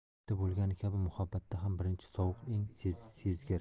tabiatda bo'lgani kabi muhabbatda ham birinchi sovuq eng sezgir